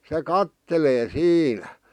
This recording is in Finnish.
se katselee siinä